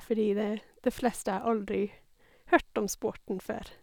Fordi det det fleste har aldri hørt om sporten før.